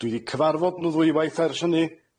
Dwi 'di cyfarfod nw ddwywaith ers hynny.